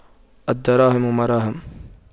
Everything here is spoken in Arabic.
الدراهم مراهم